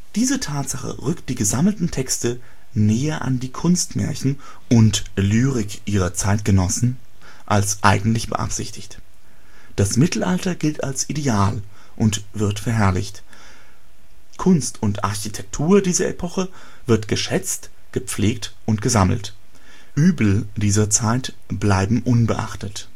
Diese Tatsache rückt die gesammelten Texte näher an die Kunstmärchen und Lyrik ihrer Zeitgenossen als eigentlich beabsichtigt. Das Mittelalter gilt als Ideal und wird verherrlicht. Kunst und Architektur dieser Epoche wird geschätzt, gepflegt und gesammelt. Übel dieser Zeit bleiben unbeachtet